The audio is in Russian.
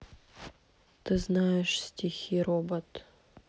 ты знаешь стихи робот